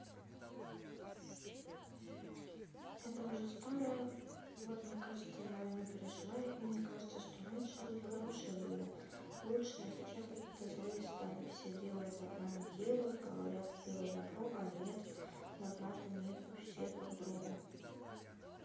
это уже старая вот мне кажется я войну пережила и мне кажется что раньше люди хорошие были лучше а сейчас какие то злые стали все делают добра не делают говорят сделай добро а нет да брата нету все друг другу